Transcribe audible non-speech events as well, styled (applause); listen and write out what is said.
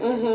(hesitation) (hesitation)